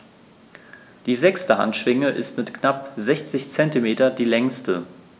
Die sechste Handschwinge ist mit knapp 60 cm die längste.